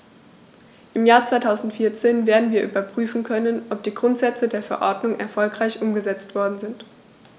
Im Jahr 2014 werden wir überprüfen können, ob die Grundsätze der Verordnung erfolgreich umgesetzt worden sind.